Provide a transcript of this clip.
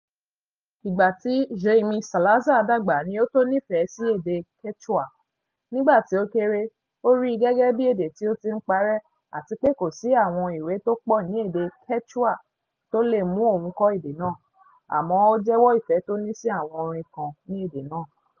Ìgbà tí Jaime Salazar dàgbà ni ó tó nífẹ̀ẹ́ sí èdè Quechua: nígbà tí ó kéré, ó ríi gẹ́gẹ́ bí èdè tí ó ti ń parẹ́ àti pé kò sí àwọn ìwé tó pọ̀ ní èdè Quechua tó lè mú òun kò èdè náà, àmọ́ ó jẹ́wọ́ ìfẹ́ tó ní sí àwọn orin kàn ní èdè náà.